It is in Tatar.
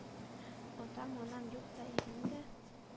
Атам-анам юк та, илемдә,